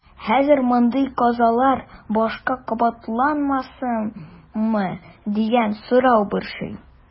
Хәзер мондый казалар башка кабатланмасмы дигән сорау борчый.